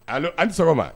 Allo a' ni sɔgɔma